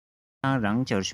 ཁ སང རང འབྱོར བྱུང